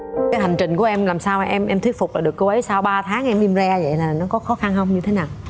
cái hành trình của em làm sao em em thuyết phục lại được cô ấy sau ba tháng em im re vậy nó có khó khăn không như thế nào